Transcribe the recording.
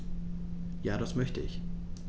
Ja, das möchte ich.